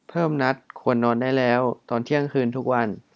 เพิ่มนัดควรนอนได้แล้วตอนเที่ยงคืนทุกวัน